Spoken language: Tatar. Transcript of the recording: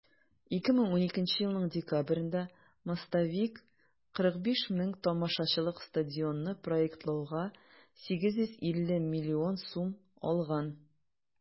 2012 елның декабрендә "мостовик" 45 мең тамашачылык стадионны проектлауга 850 миллион сум алган.